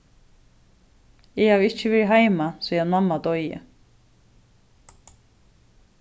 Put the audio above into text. eg havi ikki verið heima síðan mamma doyði